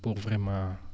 pour vraiment